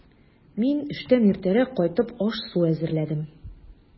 Мин, эштән иртәрәк кайтып, аш-су әзерләдем.